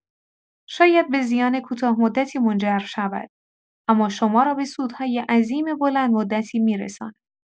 شاید به زیان کوتاه‌مدتی منجر شود، اما شما را به سودهای عظیم بلندمدتی می‌رساند.